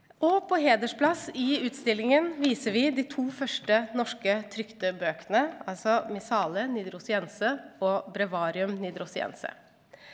og på hedersplass i utstillingen viser vi de to første norske trykte bøkene altså Missale Nidrosiense og Breviarium Nidrosiense.